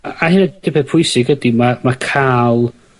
a a heyd y peth pwysig yd' ma' ma' ca'l